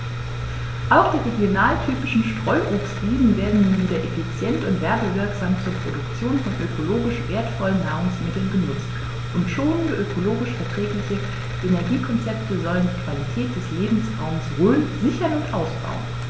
Auch die regionaltypischen Streuobstwiesen werden nun wieder effizient und werbewirksam zur Produktion von ökologisch wertvollen Nahrungsmitteln genutzt, und schonende, ökologisch verträgliche Energiekonzepte sollen die Qualität des Lebensraumes Rhön sichern und ausbauen.